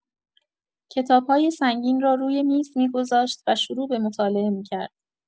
کتاب‌های سنگین را روی میز می‌گذاشت و شروع به مطالعه می‌کرد.